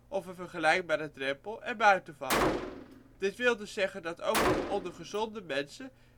of een vergelijkbare drempel) erbuiten vallen. Dit wil dus zeggen dat ook onder gezonde mensen